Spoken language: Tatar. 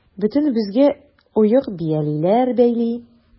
Бөтенебезгә оек-биялиләр бәйли.